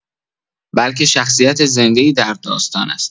بلکه شخصیت زنده‌ای در داستان است.